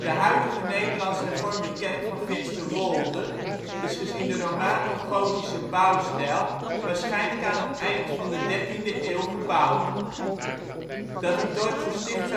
huidige Nederlands-Hervormde kerk van Finsterwolde is gezien de romanogotische bouwstijl waarschijnlijk aan het eind van de dertiende eeuw gebouwd. Dat het dorp gesticht